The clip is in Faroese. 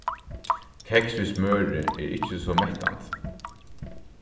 keks við smøri er ikki so mettandi